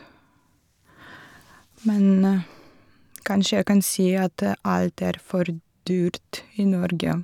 Men kanskje jeg kan si at alt er for dyrt i Norge.